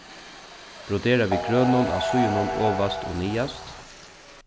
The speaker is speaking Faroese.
brodera við grønum á síðunum ovast og niðast